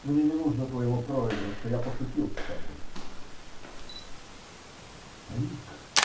Мне не нужно твоего проигрыша. Я пошутил с тобой. -- Старик!